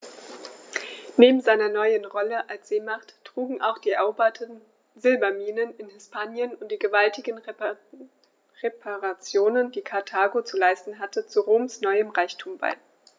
Neben seiner neuen Rolle als Seemacht trugen auch die eroberten Silberminen in Hispanien und die gewaltigen Reparationen, die Karthago zu leisten hatte, zu Roms neuem Reichtum bei.